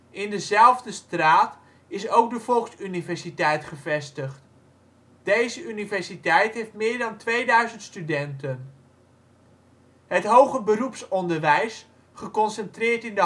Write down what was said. In dezelfde straat is ook de Volksuniversiteit gevestigd. Deze universiteit heeft meer dan 2000 studenten. Het hoger beroepsonderwijs geconcentreerd in